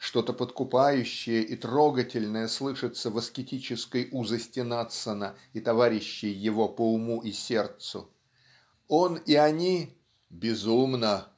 Что-то подкупающее и трогательное слышится в аскетической узости Надсона и товарищей его по уму и сердцу. Он и они "безумно